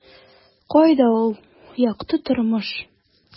Кайда ул - якты тормыш? ..